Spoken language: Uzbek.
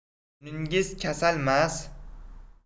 buningiz kasalmas